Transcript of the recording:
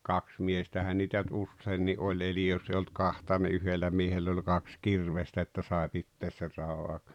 kaksi miestähän niitä nyt useinkin oli eli jos ei ollut kahta niin yhdellä miehellä oli kaksi kirvestä että sai pitää sen raon auki